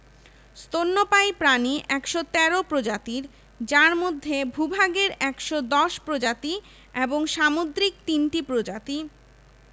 স্তন্যপায়ী প্রাণী ১১৩ প্রজাতির যার মধ্যে ভূ ভাগের ১১০ প্রজাতি ও সামুদ্রিক ৩ টি প্রজাতি